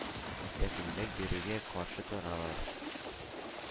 Мөстәкыйльлек бирүгә каршы торалар.